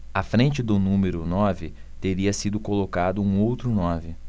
à frente do número nove teria sido colocado um outro nove